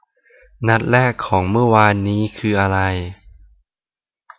นัดแรกของเมื่อวานนี้คืออะไร